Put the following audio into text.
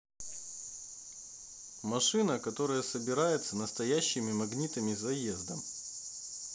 машина которая собирается настоящими магнитами заездом